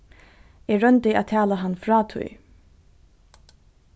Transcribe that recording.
eg royndi at tala hann frá tí